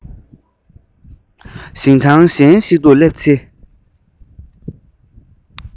ཞིང ཐང གཞན ཞིག ཏུ སླེབས ཚེ